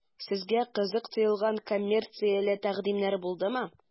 Сезгә кызык тоелган коммерцияле тәкъдимнәр булдымы?